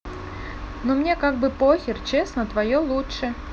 ну мне как бы похер честно твое лучшее